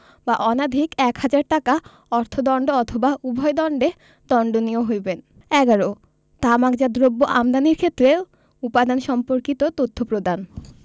বা অনধিক এক হাজার টাকা অর্থ দন্ড অথবা উভয় দণ্ডে দন্ডনীয় হইবেন ১১ তামাকজাত দ্রব্য আমদানির ক্ষেত্রে উপাদান সম্পর্কিত তথ্য প্রদান